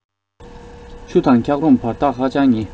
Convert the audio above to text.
ཆུ དང འཁྱག རོམ བར ཐག ཧ ཅང ཉེ